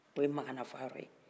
o ye maganafa yɔrɔ ye